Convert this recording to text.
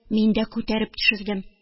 Мин дә күтәреп төшердем.